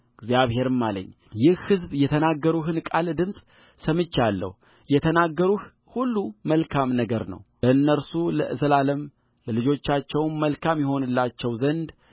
እግዚአብሔርም አለኝ ይህ ሕዝብ የተናገሩህን ቃል ድምፅ ሰምቼአለሁ የተናገሩህ ሁሉ መልካም ነገር ነውለእነርሱም ለዘላለምም ለልጆቻቸው መልካም ይሆንላቸው ዘንድ